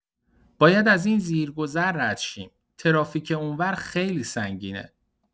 باید از این زیرگذر رد شیم، ترافیک اونور خیلی سنگینه.